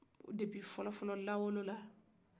depi fɔlɔ-fɔlɔ lawale la